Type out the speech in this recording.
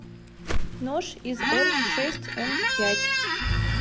нож из р шесть м пять